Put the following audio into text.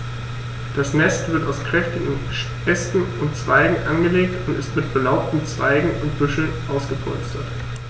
Das Nest wird aus kräftigen Ästen und Zweigen angelegt und mit belaubten Zweigen und Büscheln ausgepolstert.